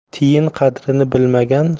tiyin qadrini bilmagan